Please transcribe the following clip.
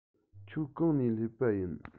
ཁྱེད གང ནས སླེབས པ ཡིན